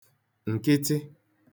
ǹkịtị